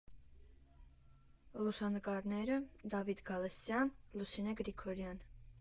Լուսանկարները՝ Դավիթ Գալստյան, Լուսինե Գրիգորյան։